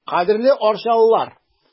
Кадерле арчалылар!